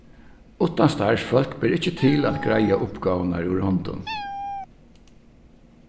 uttan starvsfólk ber ikki til at greiða uppgávurnar úr hondum